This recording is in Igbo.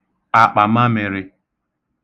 àkpàmamị̄rị̄